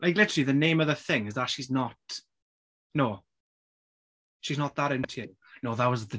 Like literally the name of the thing is that she's not... No. She's not that into you. No that was the...